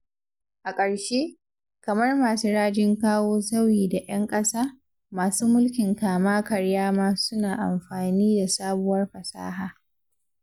A ƙarshe, kamar masu rajin kawo sauyi da 'yan ƙasa, masu mulkin kama-karya ma suna amfani da sabuwar fasaha.